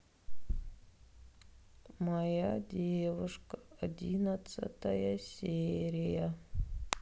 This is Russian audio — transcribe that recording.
моя девушка одиннадцатая серия